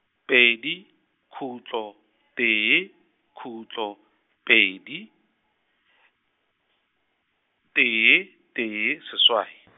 pedi, khutlo, tee, khutlo, pedi , tee, tee, seswai .